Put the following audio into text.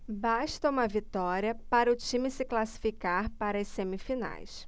basta uma vitória para o time se classificar para as semifinais